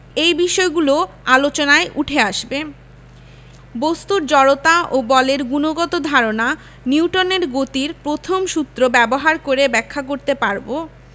এই বিষয়গুলোও আলোচনায় উঠে আসবে বস্তুর জড়তা ও বলের গুণগত ধারণা নিউটনের গতির প্রথম সূত্র ব্যবহার করে ব্যাখ্যা করতে পারব